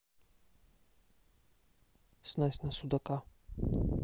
снасть на судака